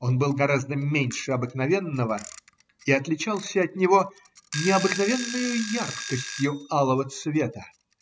он был гораздо меньше обыкновенного и отличался от него необыкновенною яркостью алого цвета.